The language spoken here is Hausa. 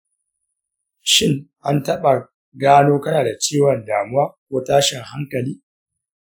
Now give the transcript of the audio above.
shin an taɓa gano kana da ciwon damuwa ko tashin hankali?